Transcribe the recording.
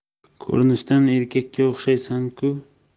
ko'rinishdan erkakka o'xshaysanku